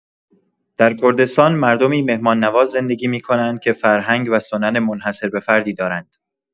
در کردستان، مردمی مهمان‌نواز زندگی می‌کنند که فرهنگ و سنن منحصر به فردی دارند.